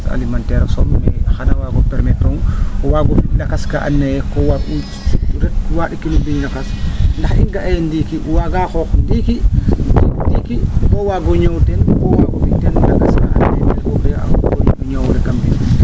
alimentaire xana waago permettre o waago fi lakas ka andoona ye ko war'u wandik ndax i nga'a ye ndiiki waage xoox ndiiki bo waago ñoow teen bo waago fi teen lakas kaa andoona yee o ñoow ole kam mbind ne